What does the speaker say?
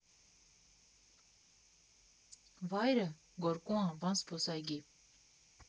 Վայրը՝ Գորկու անվան զբոսայգի։